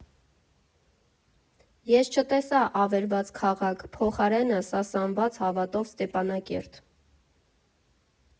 Ես չտեսա ավերված քաղաք, փոխարենը՝ սասանված հավատով Ստեփանակերտ։